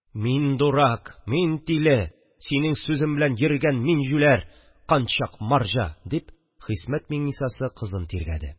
– мин дурак! мин тиле! синең сүзең белән йөргән мин җүләр! канчак марҗа! – дип хисмәт миңнисасы кызын тиргәде